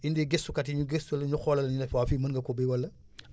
indi gëstukat yi ñu gëstu la ñu xoolal la ne waaw fii mën nga ko bay wala